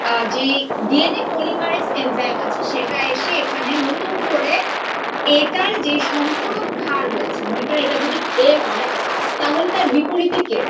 যে D N A polymerase enzyme আছে সেটা এসে এখানে নতুন করে এটার যে সম্পূরক ক্ষার রয়েছে মনে করে এটা যদি এ হয় তাহলে তার বিপরীতে কে